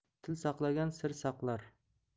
til saqlagan sir saqlar